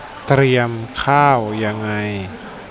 เตรียมข้าวยังไง